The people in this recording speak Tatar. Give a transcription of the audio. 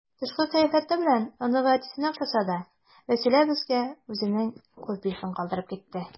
Тышкы кыяфәте белән оныгы әтисенә охшаса да, Вәсилә безгә үзенең копиясен калдырып китте.